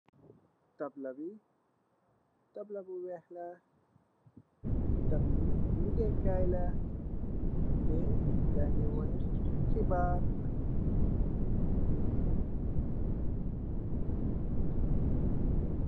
Tablah bii, tablah bu wekh la, tableaux legaye kaii la, teh gai njui wohneh khibarr.